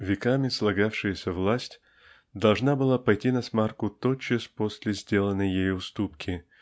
веками слагавшаяся власть должна была пойти насмарку тотчас после сделанной ею уступки